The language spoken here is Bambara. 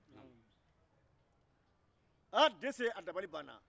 aa dese dabali banna